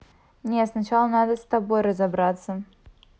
не сначала надо с тобой разобраться